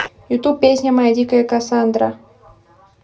ютуб песня моя дикая кассандра